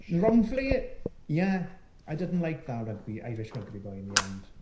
Wrongfully? Yeah. I didn't like that rugby, Irish rugby boy in the end.